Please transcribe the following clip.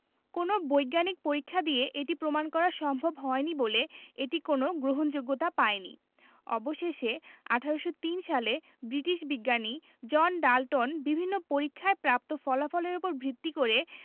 কোনো বৈজ্ঞানিক পরীক্ষা দিয়ে এটি প্রমাণ করা সম্ভব হয়নি বলে এটি কোনো গ্রহণযোগ্যতা পায়নি অবশেষে ১৮০৩ সালে ব্রিটিশ বিজ্ঞানী জন ডাল্টন বিভিন্ন পরীক্ষায় প্রাপ্ত ফলাফলের উপর ভিত্তি করে